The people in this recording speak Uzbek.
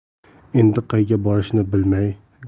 endi qayga borishni